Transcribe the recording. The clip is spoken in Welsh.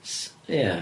S-. Ia.